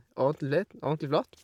ordentlig litn Ordentlig flott.